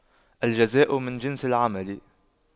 الجزاء من جنس العمل